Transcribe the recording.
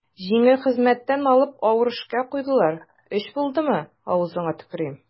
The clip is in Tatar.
Җиңел хезмәттән алып авыр эшкә куйдылар, өч булдымы, авызыңа төкерим.